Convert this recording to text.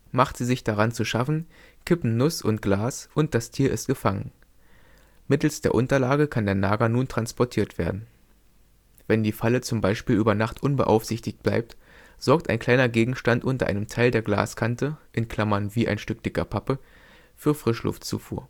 Macht sie sich dann daran zu schaffen, kippen Nuss und Glas, und das Tier ist gefangen. Mittels der Unterlage kann der Nager nun transportiert werden. Wenn die Falle z.B. über Nacht unbeaufsichtigt bleibt, sorgt ein kleiner Gegenstand unter einem Teil der Glaskante (wie ein Stück dicker Pappe) für Frischluftzufuhr